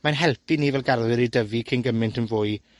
mae'n helpu ni fel garddwyr i dyfu cyn gyment yn fwy